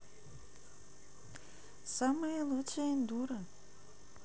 самая лучшая эндура